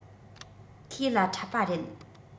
ཁོས ལ འཁྲབ པ རེད